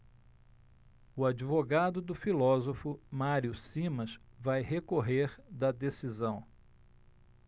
o advogado do filósofo mário simas vai recorrer da decisão